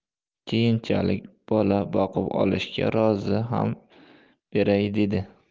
keyinchalik bola boqib olishga rozi ham beray dedi